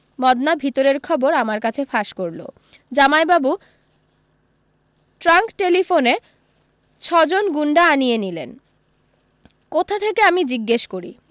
মদনা ভিতরের খবর আমার কাছে ফাঁস করলো জামাইবাবু ট্রাঙ্কটেলিফোনে ছজন গুণ্ডা আনিয়ে নিলেন কোথা থেকে আমি জিজ্ঞেস করি